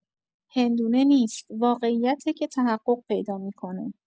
هندونه نیست، واقعیته که تحقق پیدا می‌کنه.